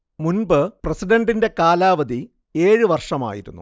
മുൻപ് പ്രസിഡന്റിന്റെ കാലാവധി ഏഴ് വർഷമായിരുന്നു